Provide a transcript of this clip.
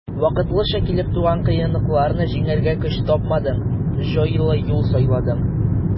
Вакытлыча килеп туган кыенлыкларны җиңәргә көч тапмадың, җайлы юл сайладың.